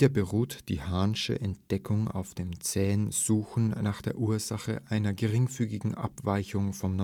beruht die Hahnsche Entdeckung auf dem zähen Suchen nach der Ursache einer geringfügigen Abweichung vom